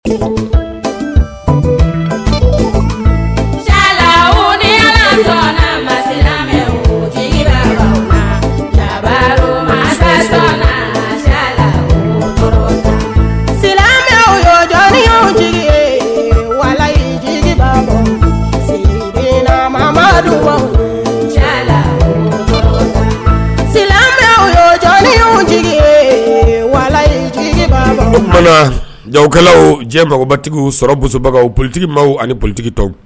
Jayan jigin cɛba ma silamɛ jɔn jigi jigin sigi madu ja silamɛ jɔn jigi wayi jigin mana jakɛlaw jɛ magobatigiw sɔrɔbagaw politigibaw ani politigi tɔw